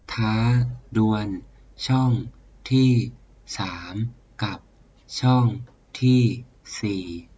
ท้าดวลช่องที่สามกับช่องที่สี่